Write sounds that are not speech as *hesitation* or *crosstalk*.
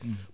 *hesitation* *hesitation*